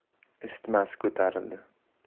isitmasi ko'tarildi